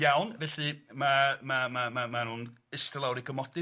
Iawn, felly ma' ma' ma' ma' ma' nhw'n eistedd lawr i gymodi.